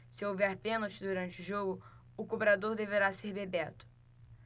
se houver pênalti durante o jogo o cobrador deverá ser bebeto